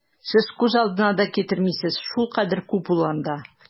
Сез күз алдына да китермисез, шулкадәр күп ул анда!